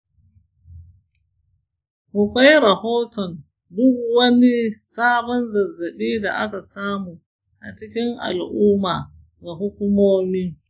ku kai rahoton duk wani sabon zazzabi da aka samu a cikin al'umma ga hukumomi.